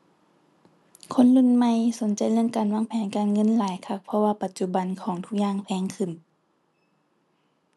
คนรุ่นใหม่สนใจเรื่องการวางแผนการเงินหลายคัก เพราะว่าปัจจุบันของทุกอย่างแพงขึ้น